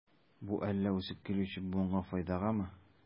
Бу әллә үсеп килүче буынга файдагамы?